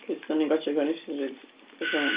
Achos 'da ni'n gwatsiad Coronation Street ers talwm.